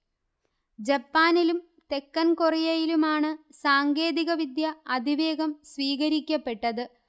ജപ്പാനിലും തെക്കൻ കൊറിയയിലുമാണ് സാങ്കേതിക വിദ്യ അതിവേഗം സ്വീകരിക്കപ്പെട്ടത്